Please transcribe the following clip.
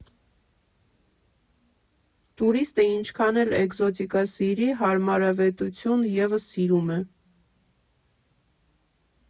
Տուրիստը ինչքան էլ էկզոտիկա սիրի՝ հարմարավետություն ևս սիրում է։